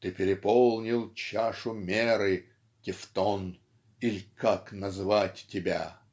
"ты переполнил чашу меры, тевтон -- иль как назвать тебя!".